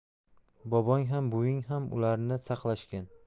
bobong ham buving ham ularni saqlashgan